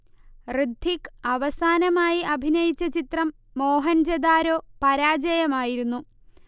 ഋത്വിക്ക് അവസാനമായി അഭിനയിച്ച ചിത്രം മോഹൻ ജൊദാരോ പരാജയമായിരുന്നു